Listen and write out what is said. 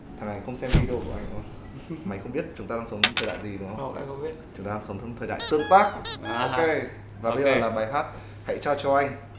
thằng này k xem video của anh hả mày k biết chúng ta đang sống trong thời đại gì đúng không không em k biết chúng ta sống trong thời đại tương tác ừa hahaha ok và bây giờ là bài hát hãy trao cho anh